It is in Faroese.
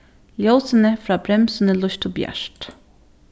ljósini frá bremsuni lýstu bjart